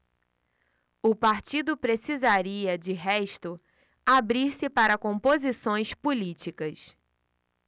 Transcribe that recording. o partido precisaria de resto abrir-se para composições políticas